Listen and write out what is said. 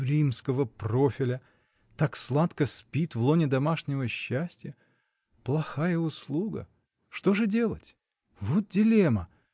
“римского профиля”, так сладко спит в лоне домашнего счастья — плохая услуга! Что же делать? Вот дилемма!